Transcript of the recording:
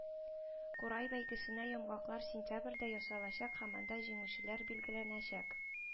Курай бәйгесенә йомгаклар сентябрьдә ясалачак һәм анда җиңүчеләр билгеләнәчәк